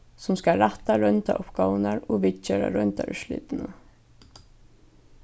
sum skal rætta royndaruppgávurnar og viðgera royndarúrslitini